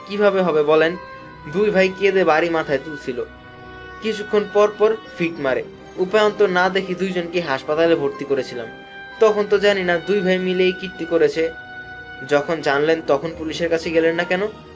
কিভাবে হবে বলেন দুই ভাই কেঁদে কেঁদে বাড়ি মাথায় তুলে ছিল কিছুক্ষণ পর পর ফিট মারে উপায়ন্তর না দেখে দুইজনকেই হাসপাতলে ভর্তি করেছিলাম তখন তো জানি না দুই ভাই মিলে এই কীর্তি করেছে যখন জানলেন তখন পুলিশের কাছে গেলেন না কেন